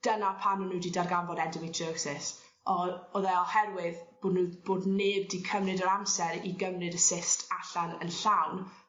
dyna pan o'n n'w 'di darganfod endometriosis. O- o'dd e oherwydd bo' n'w bod neb 'di cymryd yr amser i gymryd y cyst allan yn llawn